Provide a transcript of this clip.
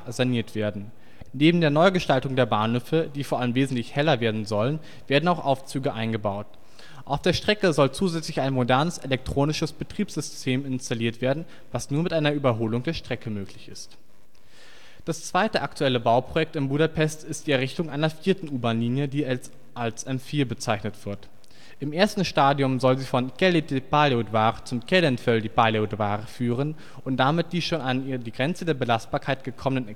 saniert werden. Neben der Neugestaltung der Bahnhöfe, die vor allem wesentlich heller werden sollen, werden auch Aufzüge eingebaut. Auf der Strecke soll zusätzlich ein modernes elektronisches Betriebssystem installiert werden, was nur mit einer Überholung der Strecke möglich ist. Das zweite aktuelle Bauprojekt in Budapest ist die Errichtung einer vierten U-Bahnlinie, die als M4 bezeichnet wird. Im ersten Stadium soll sie vom Keleti pályaudvar zum Kelenföldi pályaudvar führen und damit die schon an die Grenze der Belastbarkeit gekommenen Expressbusse